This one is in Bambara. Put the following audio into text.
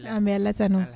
Mɛ alasa n